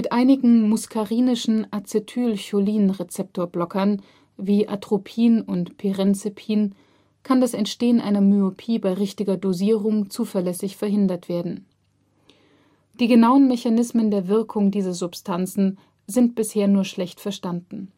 einigen muskarinischen-Acetylcholinrezeptor-Blockern wie Atropin und Pirenzepin kann das Entstehen einer Myopie bei richtiger Dosierung zuverlässig verhindert werden. Die genauen Mechanismen der Wirkung dieser Substanzen sind bisher nur schlecht verstanden